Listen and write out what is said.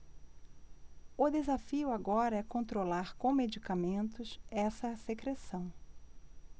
o desafio agora é controlar com medicamentos essa secreção